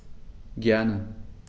Gerne.